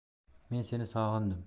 men seni sog'indim